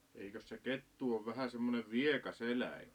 eikös se kettu ole vähän semmoinen viekas eläin